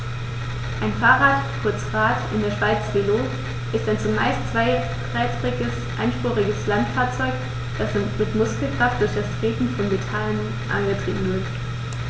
Ein Fahrrad, kurz Rad, in der Schweiz Velo, ist ein zumeist zweirädriges einspuriges Landfahrzeug, das mit Muskelkraft durch das Treten von Pedalen angetrieben wird.